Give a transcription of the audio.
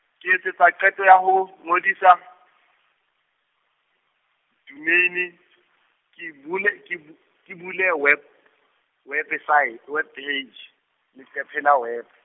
ke e etsa qeto ya ho ngodisa, domeine, ke bule, ke bu-, ke bule web- , website, web page, leqephe la web.